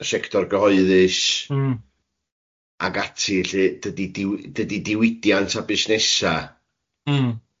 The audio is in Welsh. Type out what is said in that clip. ### y sector gyhoeddus... Mm... ac ati felly, dydi diw- dydi diwydiant a busnesau... Mm.